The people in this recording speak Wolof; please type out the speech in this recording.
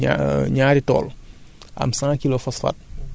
mais bu ñu xoolee tay jii